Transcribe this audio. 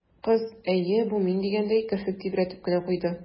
Кыз, «әйе, бу мин» дигәндәй, керфек тибрәтеп кенә куйды.